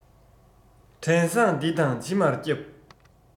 བྲན བཟང འདི དང ཕྱི མར བསྐྱབས